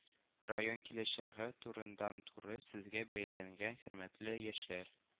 Район киләчәге турыдан-туры сезгә бәйләнгән, хөрмәтле яшьләр